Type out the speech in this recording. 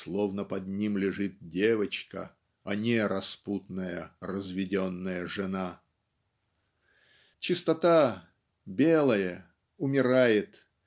словно под ним лежит девочка а не распутная разведенная жена"?. Чистота белое умирает